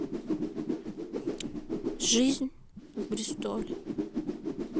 жизнь в бристоле